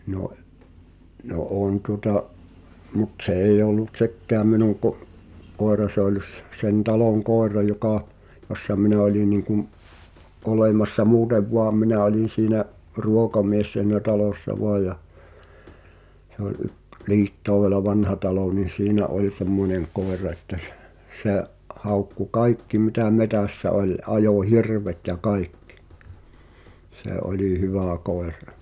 no no on tuota mutta se ei ollut sekään minun - koira se oli - sen talon koira joka jossa minä oli niin kuin olemassa muuten vain minä olin siinä ruokamies siinä talossa vain ja se oli - Liittoudella Vanhatalo niin siinä oli semmoinen koira että - se haukkui kaikki mitä metsässä oli ajoi hirvet ja kaikki se oli hyvä koira